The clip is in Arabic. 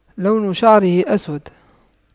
لون شعره أسود